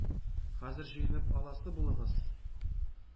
-хәзер җыйнап аласы булыгыз!